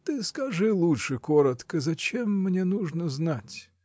— Ты скажи лучше коротко, зачем мне нужно знать.